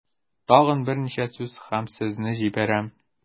Тагын берничә сүз һәм сезне җибәрәм.